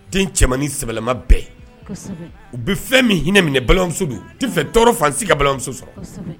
Den cɛmannin sɛbɛɛlɛma bɛɛ u bɛ fɛn min hinɛ minɛ balimamuso don tɛ tɔɔrɔ fan ka balimamuso sɔrɔ